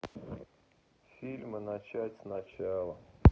фильмы начать сначала